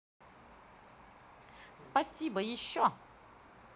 спасибо еще